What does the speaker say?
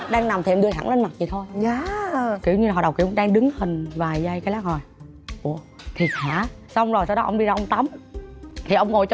đang nằm thì em đưa thẳng lên mặt vậy thôi kiểu như là họ đọc họ đang đứng hình vài giây cái lá hồi ủa thiệt hả xong rồi sau đó ông đi ra ông tắm thì ông ngồi